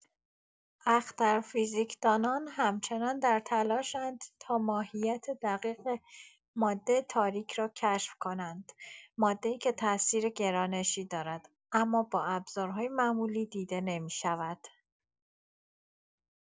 اخترفیزیکدانان همچنان در تلاش‌اند تا ماهیت دقیق ماده تاریک را کشف کنند، ماده‌ای که تاثیر گرانشی دارد اما با ابزارهای معمولی دیده نمی‌شود.